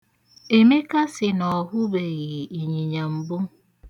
Emeka sị na ọ hụbeghị ịnyịnya mbụ.